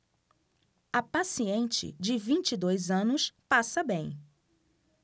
a paciente de vinte e dois anos passa bem